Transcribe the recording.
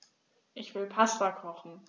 Ich will Pasta kochen.